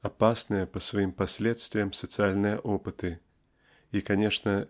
опасные по своим последствиям социальные опыты и конечно